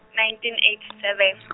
nineteen eighty seven.